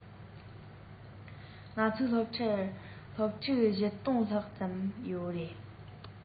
ང ཚོའི སློབ གྲྭར སློབ ཕྲུག ༤༠༠༠ ལྷག ཙམ ཡོད རེད